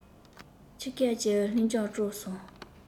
ཁྱི སྐད ཀྱིས ལྷིང འཇགས དཀྲོགས སོང